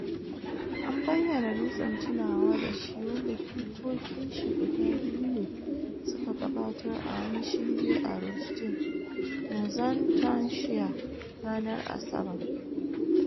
An bayyana dutsen tunawa da shi wanda jikokin shi guda biyu ne suka gabatar a wani shinge a Rushden, Northamptonshire, ranar Asabar.